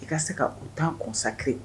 I ka se ka o tan kɔsare